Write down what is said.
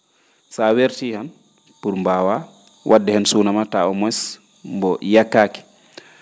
so a wertii han pour mbaawaa wa?de heen suuna ma tawa au moins mbo yakkaaki